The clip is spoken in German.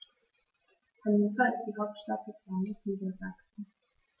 Hannover ist die Hauptstadt des Landes Niedersachsen.